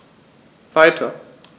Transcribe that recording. Weiter.